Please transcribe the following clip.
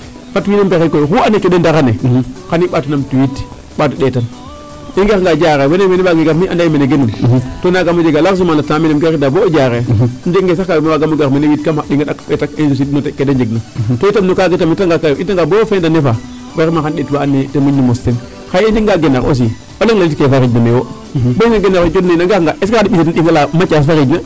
Fat wiin we mbexey koy oxu andoona yee cooɗe ndaxar ne xan i ɓaat o numtuwiid ɓaat o ɗeetan i ngar lay a Diarekh mene genum to nangaam o jega largement le temps mene um gariida bo o Diarekh um jegangee sax kaa fi'ma waagaam o gar mene kam a ɗinga ɗak ,ɓetak i njeg noté ke da njegna too'itam i ndetangaa bo kaaga tamit i ndetangaa bo fin d' année :gfra faa vriament xa i ɗeet wa andoona ye ten moƴu mos teen xaye i njegangaa genar aussi o leŋ jik ke.